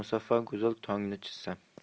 musaffo go'zal tongni chizsam